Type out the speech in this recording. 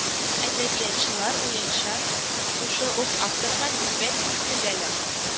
Әдәбиятчылар уенча, шушы ук авторга нисбәт ителәләр